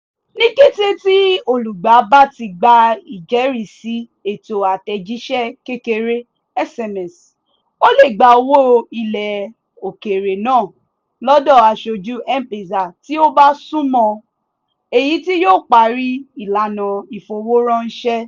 Ní kété tí olùgbà bá ti gba ìjẹ́rìsíí ètò àtẹ̀jíṣẹ́ kékeré (SMS), ó le gba owó ilẹ̀ òkèèrè náà lọ́dọ̀ aṣojú M-Pesa tí ó bá súnmọ́n-ọn, èyí tí yóò parí ìlànà ìfowóráńṣẹ́.